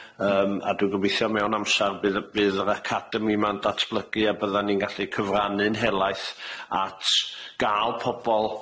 Yym a dwi'n gobeithio mewn amsar, bydd y bydd yr Academi 'ma'n datblygu a byddan ni'n gallu cyfrannu'n helaeth at ga'l pobol